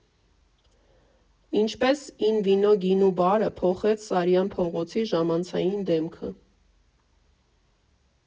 Ինչպես Ին վինո գինու բարը փոխեց Սարյան փողոցի ժամանցային դեմքը։